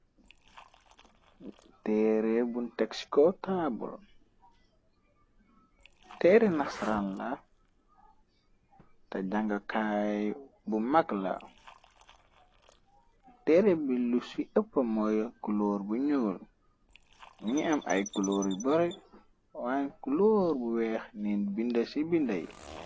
Teere bun tex ci cow taabol teere nasranla te jànga kaay bu magla teere bilu ci ëppa mooy kulóor bu ñyool mini am ay culoor yu bore waañ kulóor bu weex lang binda ci binda yi.